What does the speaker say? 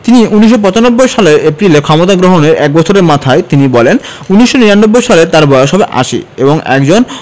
তিনি ১৯৯৫ সালের এপ্রিলে ক্ষমতা গ্রহণের এক বছরের মাথায় তিনি বলেন ১৯৯৯ সালে তাঁর বয়স হবে আশি এবং একজন